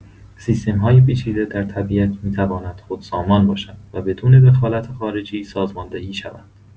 سیستم‌های پیچیده در طبیعت می‌توانند خودسامان باشند و بدون دخالت خارجی سازماندهی شوند.